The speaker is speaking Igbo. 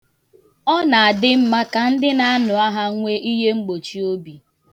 Ọ na-adị mma ka ndị na-anụ agha nwe ihemgbochiobi